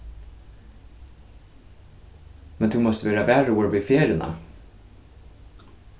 men tú mást vera varugur við ferðina